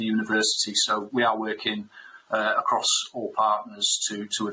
the university so we are working yy across all partners to to